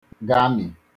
gami